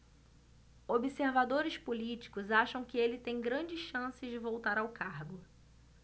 observadores políticos acham que ele tem grandes chances de voltar ao cargo